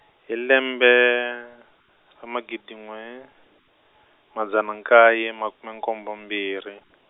hi lembe, ra magidi n'we, madzana nkaye makume nkombo mbirhi.